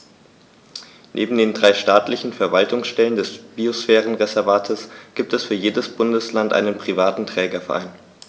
Neben den drei staatlichen Verwaltungsstellen des Biosphärenreservates gibt es für jedes Bundesland einen privaten Trägerverein.